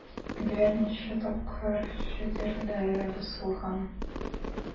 Берничә тапкыр шигырьләре басылган.